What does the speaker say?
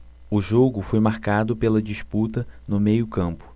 o jogo foi marcado pela disputa no meio campo